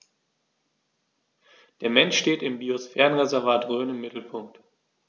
Der Mensch steht im Biosphärenreservat Rhön im Mittelpunkt.